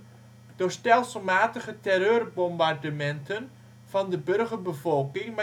stelselmatige terreurbombardementen van de burgerbevolking